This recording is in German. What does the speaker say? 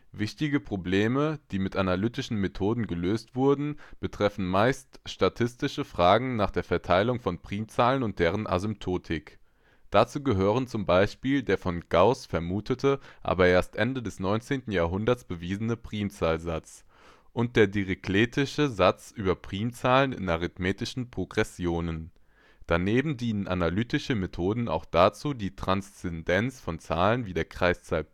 Wichtige Probleme, die mit analytischen Methoden gelöst wurden, betreffen meist statistische Fragen nach der Verteilung von Primzahlen und deren Asymptotik. Dazu gehören zum Beispiel der von Gauß vermutete, aber erst Ende des 19. Jahrhunderts bewiesene Primzahlsatz und der dirichletsche Satz über Primzahlen in arithmetischen Progressionen. Daneben dienen analytische Methoden auch dazu, die Transzendenz von Zahlen wie der Kreiszahl